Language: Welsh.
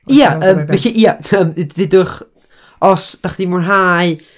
Ia, yym, felly ia, yym, d- dudwch os dach chi 'di mwynhau...